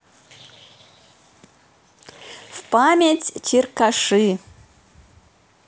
в память черкаши